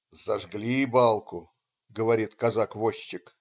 "Зажгли Балку",- говорит казак-возчик.